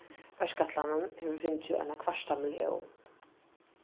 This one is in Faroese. verkætlanin hevur fingið eina kvarta millión